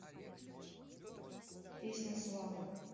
песня славы